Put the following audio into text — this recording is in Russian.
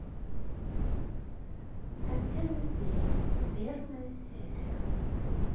татьянин день первая серия